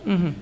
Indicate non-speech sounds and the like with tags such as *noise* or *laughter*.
*hesitation* *hesitation*